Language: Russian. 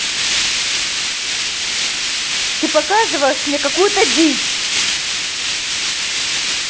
ты показываешь мне какую то дичь